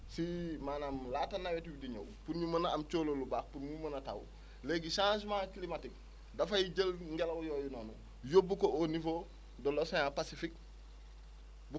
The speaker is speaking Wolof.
si maanaam laata nawet wi di ñëw pour ñu mun a am cóolóol lu baax pour mu mun a taw léegi changement climatique dafay jël ngelaw yooyu noonu yóbbu ko au niveau :frade l' Océan Pacifique